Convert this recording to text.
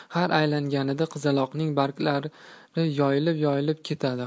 har aylanganida qizaloqning bargaklari yoyilib yoyilib ketadi